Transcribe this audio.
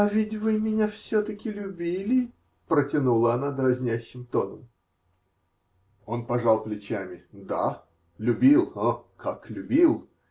-- А ведь вы меня все-таки любили, -- протянула она дразнящим тоном. Он пожал плечами. -- Да, любил. О, как любил!